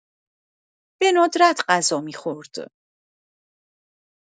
به‌ندرت غذا می‌خورد.